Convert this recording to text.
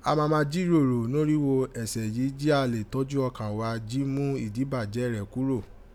A màámà jiroro norigho ẹsẹ yii ji a lè tọjú ọkan wa ji mú ìdíbàjẹ́ rẹ̀ kúrò.